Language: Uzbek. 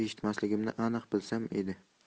eshitmasligimni aniq bilsam edi